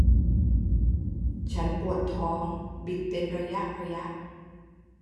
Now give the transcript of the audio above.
ฉันปวดท้องบิดเป็นระยะระยะ